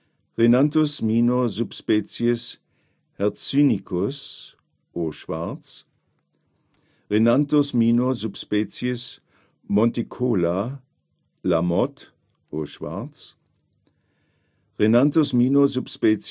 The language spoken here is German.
Rhinanthus minor subsp. hercynicus O. Schwarz Rhinanthus minor subsp. monticola (Lamotte) O. Schwarz Rhinanthus minor subsp